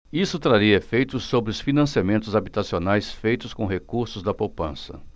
isso traria efeitos sobre os financiamentos habitacionais feitos com recursos da poupança